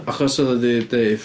Achos oedd o 'di dweud...